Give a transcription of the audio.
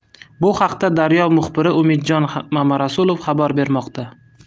bu haqda daryo muxbiri umidjon mamarasulov xabar bermoqda